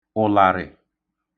ụ̀làrị̀